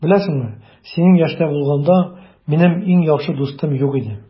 Беләсеңме, синең яшьтә булганда, минем иң яхшы дустым юк иде.